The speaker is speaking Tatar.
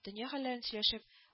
Дөнья хәлләрен сөйләшеп